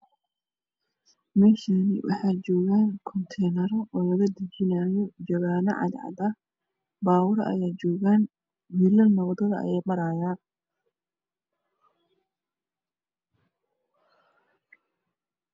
Meeshaan waxaa yaalo konteenaro waxaa laga dajinaaya jawaano cad cadaan ah baabuur ayaa joogo. Wiilal na wadada ayay maraayaan.